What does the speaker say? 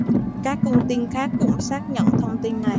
các con tin khác cũng xác nhận thông tin này